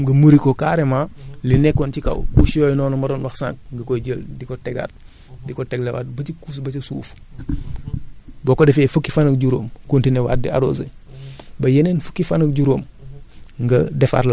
bu amee fukki fan ak juróom nga ëllbatiwaat ko maanaam nga muri ko carrément li nekkoon ci kaw couche yooyu noonu ma doon wax sànq nga koy jël di ko degaat di ko teglewaat ba ci couche ba ca suuf boo ko defe fukki fan ak juróom continuer waat di arroser